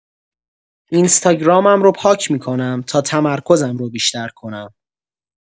اینستاگرامم رو پاک می‌کنم تا تمرکزم رو بیشتر کنم.